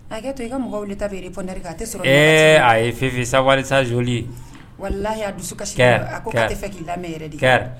A to i ka mɔgɔ ta eɛ a yefesa walisaz wala dusu k'i lamɛn de kɛ